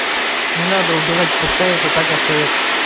не надо убирать пускай это так остается